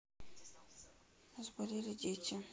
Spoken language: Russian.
заболели дети